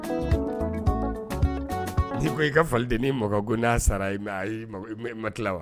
N'i ko i ka faliden ni mɔgɔ ko n sara ma wa